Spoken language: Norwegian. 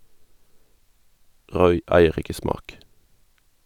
Roy eier ikke smak.